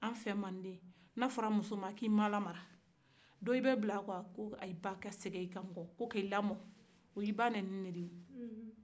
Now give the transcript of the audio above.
an fɛ mande n'a fɔra muso k'i ma lamara dɔw bɛ bila kuwa k'u ba ka segin k'u lamara o y'i ba nenilen ye